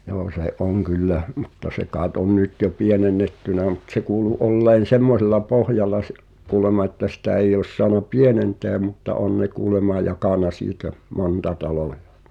joo se on kyllä mutta se kai on nyt jo pienennetty mutta se kuului olleen semmoisella pohjalla se kuulemma että sitä ei olisi saanut pienentää mutta on ne kuulemma jakanut siitä monta taloa